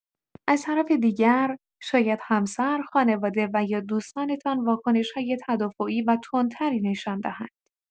از طرف دیگر، شاید همسر، خانواده و یا دوستانتان واکنش‌های تدافعی و تندتری نشان دهند.